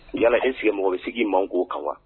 U y' sigimɔgɔ bɛ sigi man ko kan wa